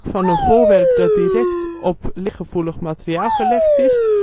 van een voorwerp dat direct op lichtgevoelig materiaal gelegd is